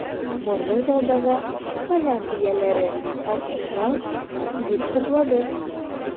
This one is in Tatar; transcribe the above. Моны залдагы каләм ияләре, алкышлап, бик хуплады.